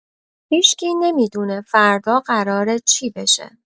هیشکی نمی‌دونه فردا قراره چی بشه!